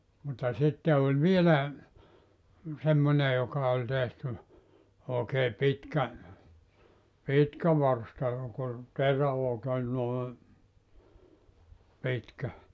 mutta sitten oli vielä semmoinen joka oli tehty oikein pitkä pitkä varsta joka oli noin pitkä